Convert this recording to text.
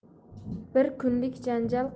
bir kunlik janjal